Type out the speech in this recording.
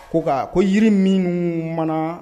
Ko nka ko yiri minnu mana